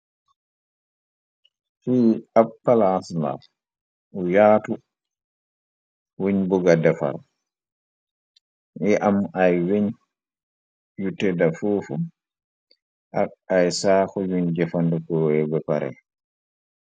Fi ab palaslaf u yaatu wiñ buga defar yi am ay weñ yu tëdda foofu ak ay saaxu yuñ jëfand koy bepare.